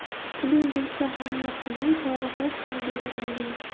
puling bo'lsa hamma quling tog' u tosh ham berar yo'ling